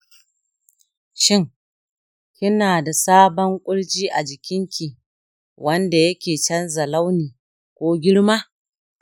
shin kinada sabon kurji a jikinki wanda yake canza launi ko girma?